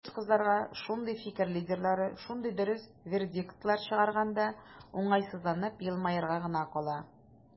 Дус кызларга шундый "фикер лидерлары" шундый дөрес вердиктлар чыгарганда, уңайсызланып елмаерга гына кала.